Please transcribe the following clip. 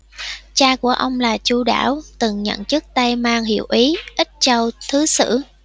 cha của ông là chu đảo từng nhận chức tây man hiệu úy ích châu thứ sử